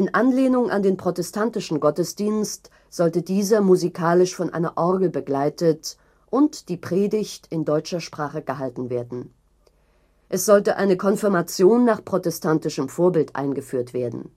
Anlehnung an den protestantischen Gottesdienst sollte dieser musikalisch von einer Orgel begleitet und die Predigt in deutscher Sprache gehalten werden. Es sollte eine Konfirmation nach protestantischem Vorbild eingeführt werden